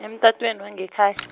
emtatweni wangekhay- .